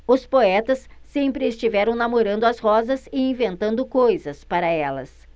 os poetas sempre estiveram namorando as rosas e inventando coisas para elas